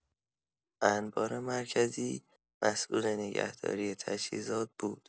انبار مرکزی مسئول نگهداری تجهیزات بود.